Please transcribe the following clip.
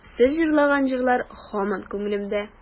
Сез җырлаган җырлар һаман күңелемдә.